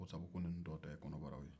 ko sabu ko ninnu tɔw ta ye kɔnɔbaraw ye